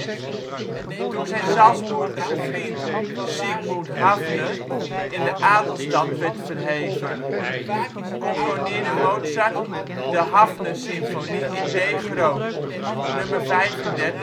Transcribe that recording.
Toen zijn Salzburgse vriend Siegmund Haffner in de adelstand werd verheven, componeerde Mozart de " Haffner " symfonie in D-groot (nr. 35, KV 385